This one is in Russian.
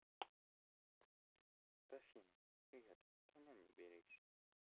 афина привет давно не берись